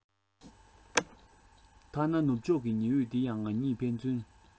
ཐ ན ནུབ ཕྱོག ཀྱི ཉི འོད འདི ཡང ང གཉིས ཕན ཚུན